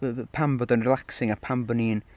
Fy- fy- pam bod o'n relaxing a pam bo' ni'n...